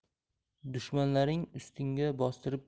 dushmanlaring ustingga bostirib